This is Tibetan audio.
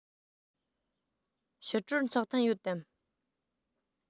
ཕྱི དྲོར ཚོགས ཐུན ཡོད དམ